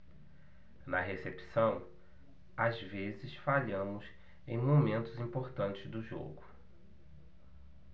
na recepção às vezes falhamos em momentos importantes do jogo